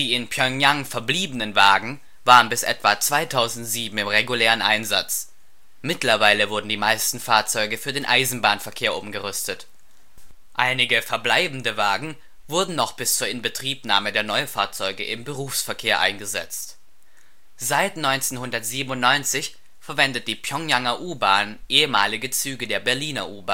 in Pjöngjang verbliebenen Wagen waren bis etwa 2007 im regulären Einsatz, mittlerweile wurden die meisten Fahrzeuge für den Eisenbahnverkehr umgerüstet. Einige verbleibende Wagen wurden noch bis zur Inbetriebnahme der Neufahrzeuge im Berufsverkehr eingesetzt. Seit 1997 verwendet die Pjöngjanger U-Bahn ehemalige Züge der Berliner U-Bahn